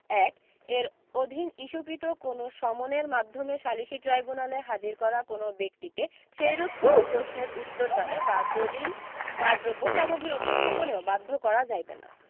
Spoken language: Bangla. ১ এর অধীন ইস্যুকৃত কোন সমনের মাধ্যমে সালিসী ট্রাইব্যুনালে হাজির করা কোন ব্যক্তিকে সেইরূপ কোন প্রশ্নের উত্তরদানে বা দলিল বা দ্রব্য সামগ্রী উপস্থাপনেও বাধ্য করা যাইবে না